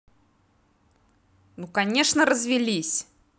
ну конечно развелись